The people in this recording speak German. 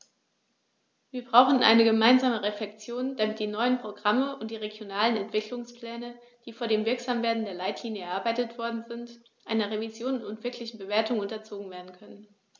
Wir brauchen eine gemeinsame Reflexion, damit die neuen Programme und die regionalen Entwicklungspläne, die vor dem Wirksamwerden der Leitlinien erarbeitet worden sind, einer Revision und wirklichen Bewertung unterzogen werden können.